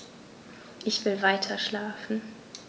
Ich will weiterschlafen.